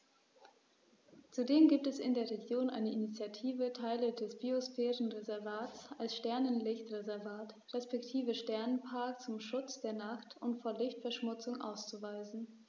Zudem gibt es in der Region eine Initiative, Teile des Biosphärenreservats als Sternenlicht-Reservat respektive Sternenpark zum Schutz der Nacht und vor Lichtverschmutzung auszuweisen.